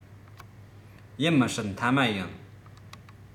ཡིན མི སྲིད མཐའ མ ཡིན